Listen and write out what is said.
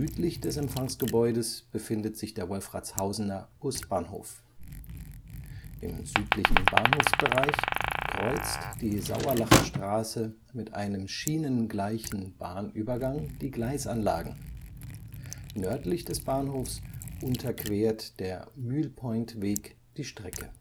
Südlich des Empfangsgebäudes befindet sich der Wolfratshausener Busbahnhof. Im südlichen Bahnhofsbereich kreuzt die Sauerlacher Straße (Staatsstraße 2070) mit einem schienengleichen Bahnübergang die Gleisanlagen, nördlich des Bahnhofs unterquert der Mühlpointweg die Strecke